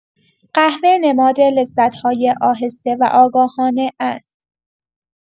قهوه، نماد لذت‌های آهسته و آگاهانه است؛